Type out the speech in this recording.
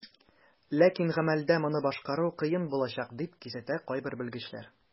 Ләкин гамәлдә моны башкару кыен булачак, дип кисәтә кайбер белгечләр.